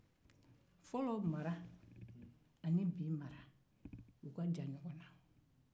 danfaraba de bɛ fɔlɔ mara ni bi mara cɛ